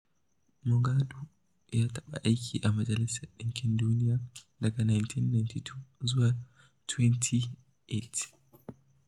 Moghalu ya taɓa aiki a Majalisar ɗinkin Duniya daga 1992 zuwa 2008.